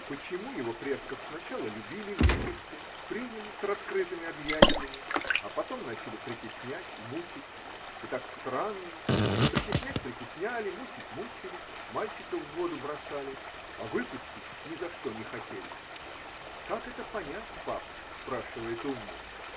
Почему его предков сначала любили в Египте, приняли с раскрытыми объятиями, а потом начали притеснять и мучить: и так странно – притеснять притесняли, мучить мучили, мальчиков в воду бросали, а выпустить ни за что не хотели. – Как это понять, папа? – спрашивает умный.